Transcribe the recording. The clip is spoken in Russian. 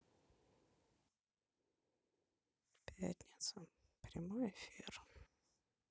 пятница прямой эфир